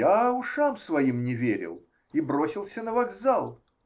Я ушам своим не верил и бросился на вокзал.